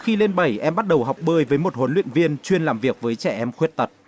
khi lên bảy em bắt đầu học bơi với một huấn luyện viên chuyên làm việc với trẻ em khuyết tật